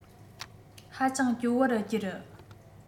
ཧ ཅང སྐྱོ བར གྱུར